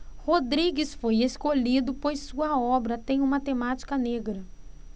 rodrigues foi escolhido pois sua obra tem uma temática negra